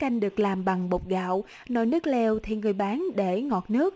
canh được làm bằng bột gạo nồi nước lèo thì người bán để ngọt nước